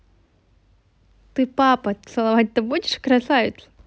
ты папа целовать то будешь красавица